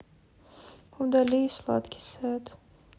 удали сладкий сет